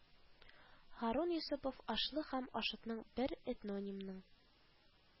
Һарун Йосыпов Ашлы һәм Ашытның бер этнонимның